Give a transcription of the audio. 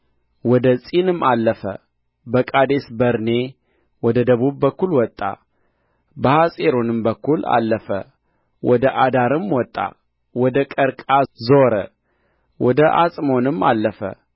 ወደ ጺንም አለፈ በቃዴስ በርኔ ወደ ደቡብ በኩል ወጣ በሐጽሮንም በኩል አለፈ ወደ አዳርም ወጣ ወደ ቀርቃ ዞረ ወደ አጽሞንም አለፈ